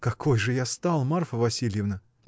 — Какой же я стал, Марфа Васильевна?